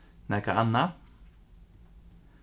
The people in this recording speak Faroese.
nakað annað